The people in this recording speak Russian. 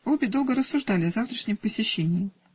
Обе долго рассуждали о завтрашнем посещении.